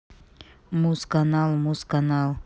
муз канал муз канал